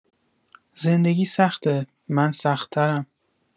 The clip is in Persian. زندگی سخته، من سختترم.